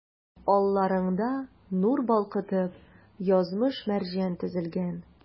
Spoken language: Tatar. Алларыңда, нур балкытып, язмыш-мәрҗән тезелгән.